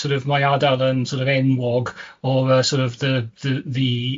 sor' of mae ardal yn sor' of enwog o yy sor' of th- th- the